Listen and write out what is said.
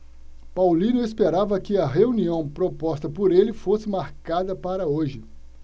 paulino esperava que a reunião proposta por ele fosse marcada para hoje